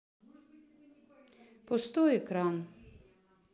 пустой экран